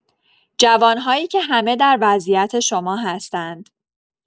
جوان‌هایی که همه در وضعیت شما هستند.